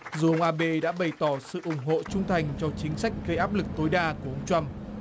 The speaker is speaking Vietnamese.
dù ông a bê đã bày tỏ sự ủng hộ trung thành cho chính sách gây áp lực tối đa của ông troăm